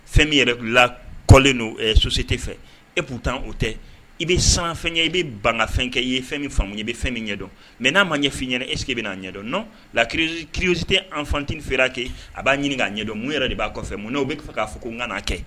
Fɛn min yɛrɛ la kɔlen soso tɛ fɛ e k'u taa o tɛ i bɛ sanfɛn ɲɛ i bɛ banafɛn kɛ i ye fɛn min faamumu ye i bɛ fɛn min ɲɛdɔn mɛ n'a ma ɲɛfin ɲɛna esseke bɛ'a ɲɛdɔn n la kiirisi tɛ an fat fɛ kɛ a b'a ɲininka k'a ɲɛdɔn mun yɛrɛ de b'a kɔfɛ n'o bɛ fɛ k'a fɔ ko n ŋa kɛ